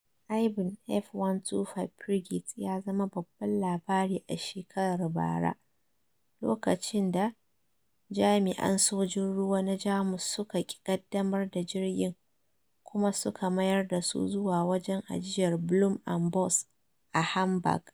Aibun F125 Frigate ya zama babban labari a shekarar bara, lokacin da jami’an sojin ruwa na Jamus suka ki kaddamar da jirgin kuma suka mayar da su zuwa wajen ajiyar Blohm & Voss a Hamburg.